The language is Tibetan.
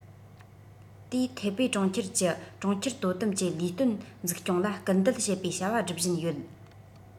དེའི ཐའེ པེ གྲོང ཁྱེར གྱི གྲོང ཁྱེར དོ དམ གྱི ལས དོན འཛུགས སྐྱོང ལ སྐུལ འདེད བྱེད པའི བྱ བ སྒྲུབ བཞིན ཡོད